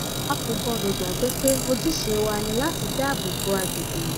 A kò gbọdọ̀ gbàgbé pé ojúṣe wa ni láti dáàbò bo agbègbè yìí.